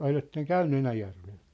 oletteko käynyt Enäjärvellä